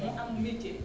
mu am metier